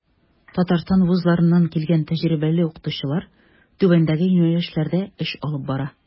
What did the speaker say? Татарстан вузларыннан килгән тәҗрибәле укытучылар түбәндәге юнәлешләрдә эш алып бара.